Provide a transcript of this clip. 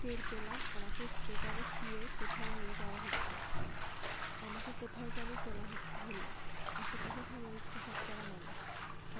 টের পেলাম আমাকে স্ট্রেচারে শুইয়ে কোথাও নিয়ে যাওয়া হচ্ছে আমাকে কোথায় জানি তোলা হলো আশেপাশে সামরিক পোশাক পরা মানুষ